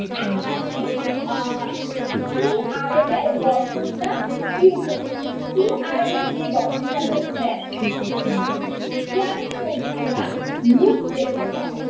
এখন আসি T R N এর গঠন টা কি রকম টি আর এন এর যে গঠনটা রয়েছে টি আর এন এর মধ্যে আমরা লুপ দেখতে পাবো